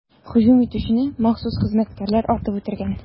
Һөҗүм итүчене махсус хезмәтләр атып үтергән.